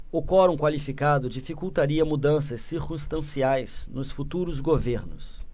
o quorum qualificado dificultaria mudanças circunstanciais nos futuros governos